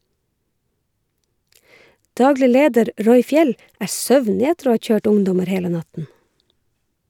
Daglig leder Roy Fjeld er søvnig etter å ha kjørt ungdommer hele natten.